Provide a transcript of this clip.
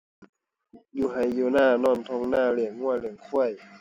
อยู่ไร่อยู่นา นอนไร่นา เลี้ยงไร่เลี้ยงควาย